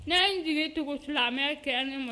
Ne ye n jigi tugu fila kɛ ne ma